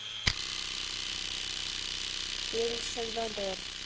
фильм сальвадор